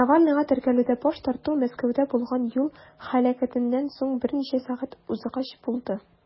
Навальныйга теркәлүдә баш тарту Мәскәүдә булган юл һәлакәтеннән соң берничә сәгать узгач булды.